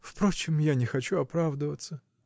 Впрочем, я не хочу оправдываться.